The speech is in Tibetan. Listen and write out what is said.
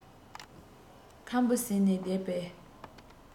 ཁམ བུ ཟས ནས བསྡད པའི